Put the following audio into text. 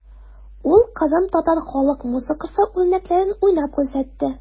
Ул кырымтатар халык музыкасы үрнәкләрен уйнап күрсәтте.